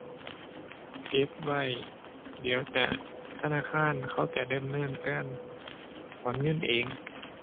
เก็บไว้ เดี๋ยวจะ ธนาคารเขาจะดำเนินการถอนเงินเอง